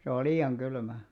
se on liian kylmä